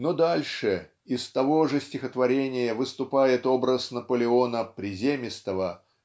но дальше из того же стихотворения выступает образ Наполеона приземистого